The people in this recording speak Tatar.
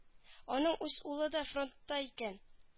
Аның үз улы да фронтта икән